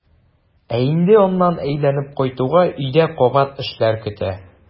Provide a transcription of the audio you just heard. Ә инде аннан әйләнеп кайтуга өйдә кабат эшләр көтә.